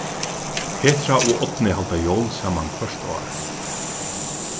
petra og árni halda jól saman hvørt ár